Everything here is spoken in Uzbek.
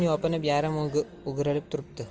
yopinib yarim o'girilib turibdi